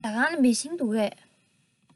ཟ ཁང ལ མེ ཤིང འདུག གས